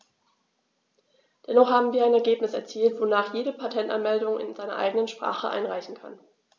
Dennoch haben wir ein Ergebnis erzielt, wonach jeder Patentanmeldungen in seiner eigenen Sprache einreichen kann.